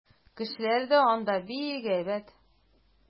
Кешеләре дә анда бик әйбәт.